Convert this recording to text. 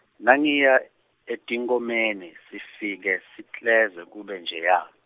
Nangiya, etinkhomeni, sifike, sikleze kube njeya.